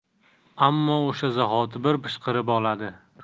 ammo o'sha zahoti bir pishqirib oladi